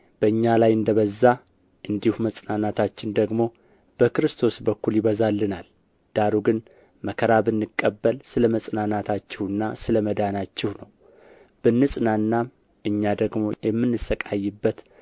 በእኛ ላይ እንደ በዛ እንዲሁ መጽናናታችን ደግሞ በክርስቶስ በኩል ይበዛልናልና ዳሩ ግን መከራ ብንቀበል ስለ መጽናናታችሁና ስለ መዳናችሁ ነው ብንጽናናም እኛ ደግሞ የምንሣቀይበት